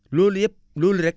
loolu yëpp loolu rek